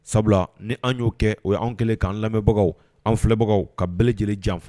Sabula ni an y'o kɛ o ye' kɛlen k anan lamɛnbagaw an filɛbagaw ka bɛɛ lajɛlen janfa